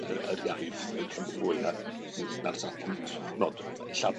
Y yr iaith yy yn fwy na n- na'r safon t'mod ella